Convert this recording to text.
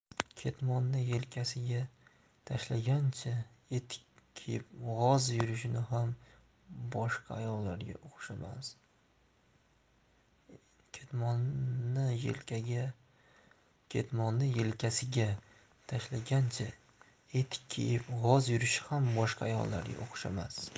ketmonni yelkasiga tashlagancha etik kiyib g'oz yurishi ham boshqa ayollarga o'xshamas